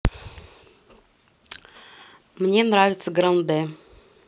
мне нравится гранде